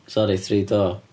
Sori three-door.